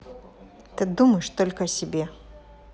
ты думаешь только о себе